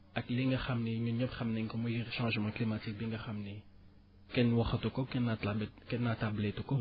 ak li nga xam ne ñun ñépp xam nañu ko muy le changement climatique bi nga xam ni kenn waxatu ko kenn naataabe kenn naataablee tu ko